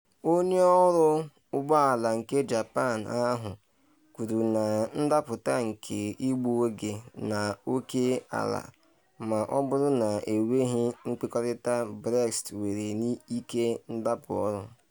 Onye ọrụ ụgbọ ala nke Japan ahụ kwuru na ndapụta nke igbu oge n’oke ala ma ọ bụrụ na enweghị nkwekọrịta Brexit nwere ike napụ ọrụ.